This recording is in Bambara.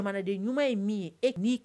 Den ɲuman ye min ye